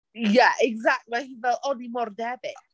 Ie, exactly mae hi fel "O, ni mor debyg".